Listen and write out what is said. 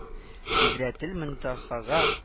Сидрәтел мөнтаһага